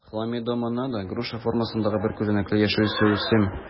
Хламидомонада - груша формасындагы бер күзәнәкле яшел суүсем.